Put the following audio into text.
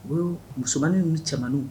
O ye musomanmani cɛman